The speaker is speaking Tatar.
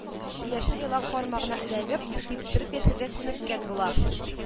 Яшел елан кармагына эләгеп, типтереп яшәргә күнеккән була